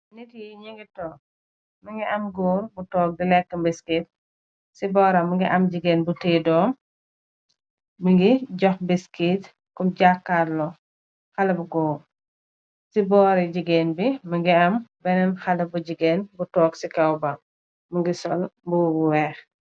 nit yi ñëngi too. Mingi am góor bu toog di lekk biskit. Si booram mngi am jigéen bu tiye doom. Mu ngi jox biskit kum jàkkaar loo, xale bu goor. Si boori jigéen bi, mi ngi am bénen xala bu jigéen bu toog si kow bang, mu ngi sol mbubu weex.